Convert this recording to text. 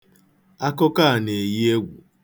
Akụkọ a na-eyi egwu.